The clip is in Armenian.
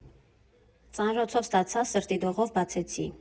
Ծանրոցով ստացա, սրտի դողով բացեցի…